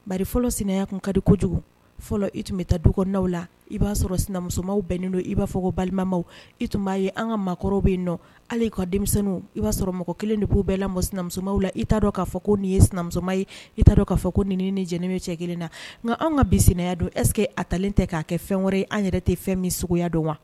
Ba fɔlɔ sinanya tun ka di kojugu fɔlɔ i tun bɛ taa du kɔnɔnaw la i b'a sɔrɔ sinamuso bɛnnen don i b'a fɔ ko balima i tun b'a ye an ka maakɔrɔba bɛ yen dɔn ala' ka denmisɛnnin i b'a sɔrɔ mɔgɔ kelen de' bɛɛ la sina la i t'a dɔn k'a fɔ ko nin ye sinamusoma ye i t'a k'a fɔ ko ni ni jeni cɛ kelen na nka an ka bin sɛnɛya don ɛsseke a talen tɛ k'a kɛ fɛn wɛrɛ ye an yɛrɛ de fɛn min suguya dɔn wa